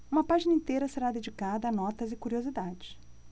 uma página inteira será dedicada a notas e curiosidades